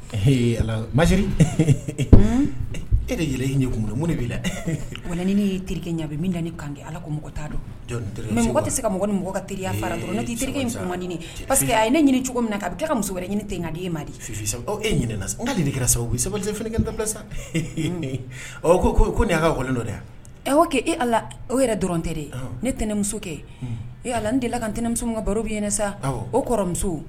Ala mari e de yɛlɛ i ɲɛ mun de b' la wa' terikɛ ɲɛ bɛ minani kan ala ko mɔgɔ t' don mɔgɔ tɛ se ka mɔgɔ ni mɔgɔ ka teriya dɔrɔn ne tɛ i terikɛuganin pa parceseke a ye ne ɲini cogo min na k a bɛ ka muso wɛrɛ ɲini ten ka d' e ma di e ɲinin kɛra sabali tɛ sa ko ko ko nin ka dɔ e ala yɛrɛ dɔrɔn tɛ de ne tɛnɛnmuso kɛ e ala n deli ka n tɛnɛnmuso ka baro bɛ ɲɛna sa o kɔrɔmuso